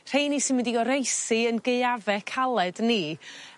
rheini sy'n mynd i oroesi ein Gaeafe caled ni